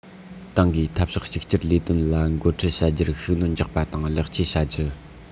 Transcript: ཏང གིས འཐབ ཕྱོགས གཅིག གྱུར ལས དོན ལ འགོ ཁྲིད བྱ རྒྱུར ཤུགས སྣོན རྒྱག པ དང ལེགས བཅོས བྱ རྒྱུ